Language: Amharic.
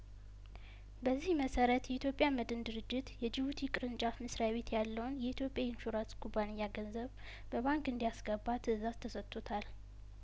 በዚህ መሰረት የኢትዮጵያ መድን ድርጅት የጅቡቲ ቅርንጫፍ መስሪያ ቤት ያለውን የኢትዮጵያ የኢንሹራንስ ኩባንያ ገንዘብ በባንክ እንዲያስገባ ትእዛዝ ተሰጥቶታል